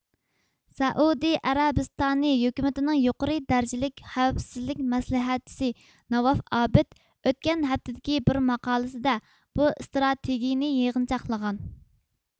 سەئۇدى ئەرەبىستانى ھۆكۈمىتىنىڭ يۇقىرى دەرىجىلىك خەۋپسىزلىك مەسلىھەتچىسى ناۋاف ئابىد ئۆتكەن ھەپتىدىكى بىر ماقالىسىدە بۇ ئىستراتېگىيىنى يىغىنچاقلىغان